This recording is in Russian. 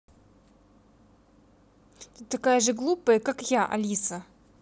ты такая же глупая как я алиса